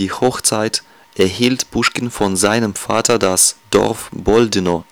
Hochzeit erhielt Puschkin von seinem Vater das Dorf Boldino